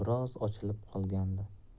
biroz ochilib qolgandi